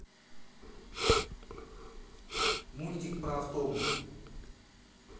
мультик про автобус